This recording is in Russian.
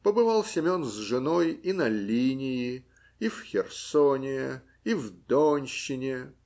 Побывал Семен с женой и на Линии, и в Херсоне, и в Донщине